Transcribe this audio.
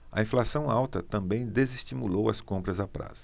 a inflação alta também desestimulou as compras a prazo